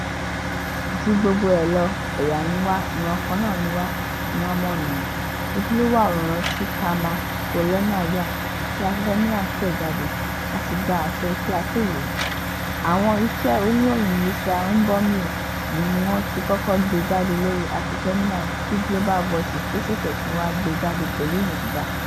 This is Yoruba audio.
Ju gbogbo ẹ lọ, èèyàn ni wá, ìran kan náà ni wá, ìran ọmọniyàn. "Ojúlówó àwòrán tí Carmen Bolena yà, tí Afrofeminas tẹ jáde, a sì gbà àṣẹ kí a tó ló ó. Àwọn iṣẹ́ Oníròyìn Lucia Mbomío yìí ni wọ́n tí kọ́kọ́ gbé jáde lórí Afrofeminas kí Global Voices tó ṣẹ̀ṣẹ̀ tún wà gbe jáde pẹ̀lú ìyọ̀nda.